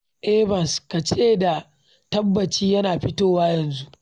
Evans: "Ka ce, da tabbaci yana fitowa yanzu!"